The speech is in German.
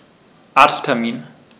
Arzttermin